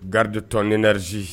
Garidi tɔnindaze